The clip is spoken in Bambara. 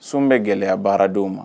Sun bɛ gɛlɛya baaradenw ma